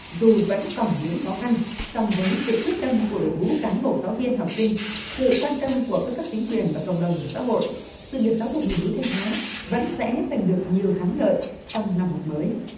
dù vẫn còn những khó khăn song với sự quyết tâm của đội ngũ cán bộ giáo viên học sinh sự quan tâm của các cấp chính quyền và cộng đồng xã hội sự nghiệp giáo dục miền núi thanh hóa vẫn sẽ giành được nhiều thắng lợi trong năm học mới